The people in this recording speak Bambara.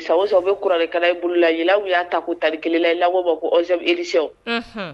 san bɛ kuranlikala bololay u y'a ta ko tali kelenla i labɔ ko zesew